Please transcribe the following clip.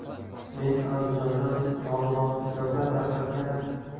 men andijonda nomunosib gaplar tarqatgan